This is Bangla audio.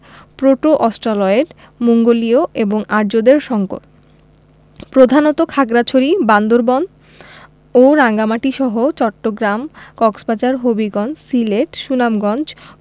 প্রোটো অস্ট্রালয়েড মঙ্গোলীয় এবং আর্যদের সংকর প্রধানত খাগড়াছড়ি বান্দরবান ও রাঙ্গামাটিসহ চট্টগ্রাম কক্সবাজার হবিগঞ্জ সিলেট সুনামগঞ্জ